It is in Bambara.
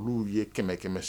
Olu ye kɛmɛ kɛmɛ